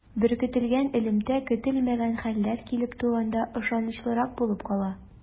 Беркетелгән элемтә көтелмәгән хәлләр килеп туганда ышанычлырак булып кала.